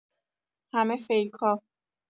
همه فیکا